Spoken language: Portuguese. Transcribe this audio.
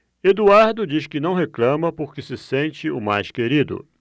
eduardo diz que não reclama porque se sente o mais querido